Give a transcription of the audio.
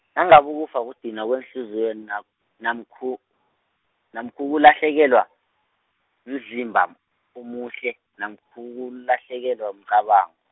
nangabukufa kudinwa kwenhliziyo na- namkhu- namkhukulahlekelwa, mzimba, omuhle, namkha ukulahlekelwa mqabango.